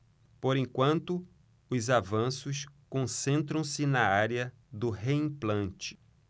por enquanto os avanços concentram-se na área do reimplante